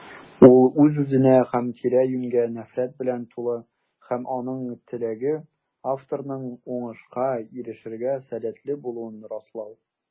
Ул үз-үзенә һәм тирә-юньгә нәфрәт белән тулы - һәм аның теләге: авторның уңышка ирешергә сәләтле булуын раслау.